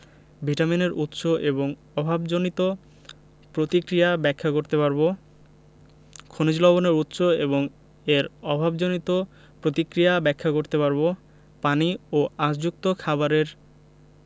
ভিটামিনের উৎস এবং অভাবজনিত প্রতিক্রিয়া ব্যাখ্যা করতে পারব খনিজ লবণের উৎস এবং এর অভাবজনিত প্রতিক্রিয়া ব্যাখ্যা করতে পারব পানি ও আশযুক্ত খাবারের